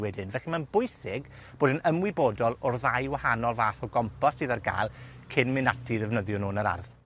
wedyn. Felly, ma'n bwysig bod yn ymwybodol o'r ddau wahanol fath o gompos sydd ar ga'l cyn mynd ati i ddefnyddio nw yn yr ardd.